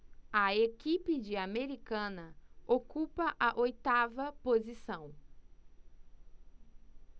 a equipe de americana ocupa a oitava posição